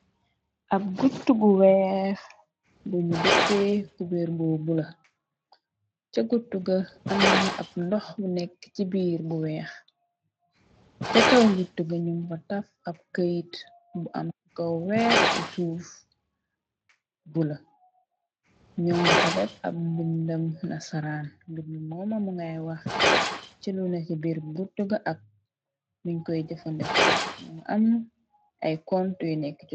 Ab guttu gu weex bu ñyu dëppee kubeer bo bula ca guttu ga am na ab ndox bu nekk ci biir bu weex ca kaw gutu ga ñu ba taf ab këyit bu am kaw weex ci suuf bula ñyung nga fa depp ab mbindem na saraan bindi moomamu ngay wax si luneka ci biir guttu ga ak nuñj koy jëfandeko am ay kontuyu nekk.